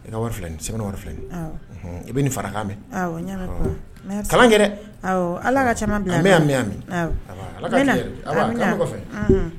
I ka wari filɛ nin ye, semaine wari filɛ nin ye; awɔ; unhun,i bɛ nin far'a kan, y'a mɛn; awɔ,n y'a mɛn papa, merci ;kalan kɛ dɛ; awɔ, Ala ka caaman bila a nɔ la; ami ,ami; an baa ;awɔ; Ala tile hɛrɛ; an baa, kan bɛ kɔfɛ; unhun.